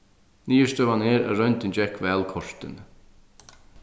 niðurstøðan er at royndin gekk væl kortini